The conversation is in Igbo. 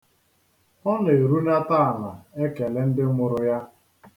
Ọ na-erunata ala ekele ndị mụrụ ya.